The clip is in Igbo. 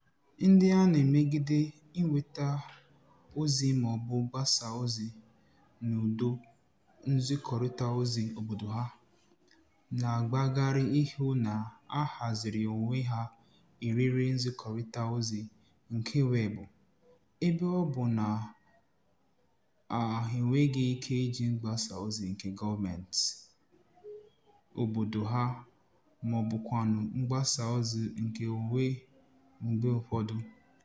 Ndị a na-emegide inweta ozi maọbụ gbasaa ozi n'ụdọ nzikọrịtaozi obodo ha, na-agbagharị ị hụ na ha haziri onwe ha eriri nzikọrịtaozi nke weebụ, ebe ọ bụ na ha enweghị ike iji mgbasa ozi nke gọọmenti obodo ha maọbụkwanụ mgbasa ozi nke onwe mgbe ụfọdụ.